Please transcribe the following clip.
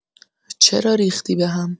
چرا ریختی بهم؟